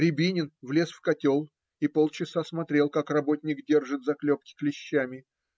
Рябинин влез в котел и полчаса смотрел, как работник держит заклепки клещами.